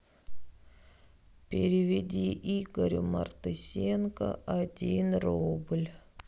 переведи игорю мартысенко один рубль